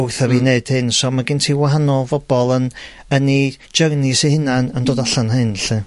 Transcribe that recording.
wrtha fi neud hyn. So ma' gin ti wahanol fobol yn yn 'u journeys eu hunan yn dod allan o hyn 'lly.